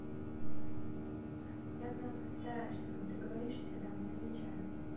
я знаю как ты стараешься но ты говоришь всегда мне отвечают